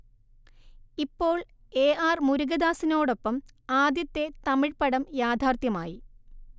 ഇപ്പോൾ ഏആർ മുരുഗദോസിനോടൊപ്പം ആദ്യത്തെ തമിഴ് പടം യാഥാർഥ്യമായി